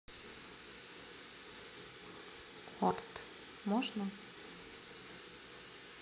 орт можно